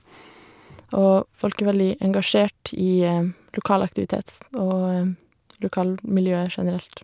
Og folk er veldig engasjert i lokal aktivitet og lokalmiljøet generelt.